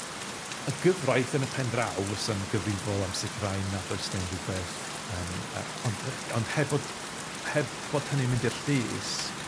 Y gyfraith yn y pen draw fysa'n gyfrifol am sicirau nad oes yna unrhyw beth yn yy ond yy ond heb bod heb fod hynny'n mynd i'r llys